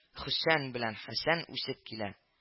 Хөсән белән Хәсән үсеп килә